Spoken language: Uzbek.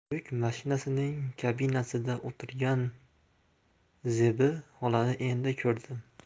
yuk mashinasining kabinasida o'tirgan zebi xolani endi ko'rdim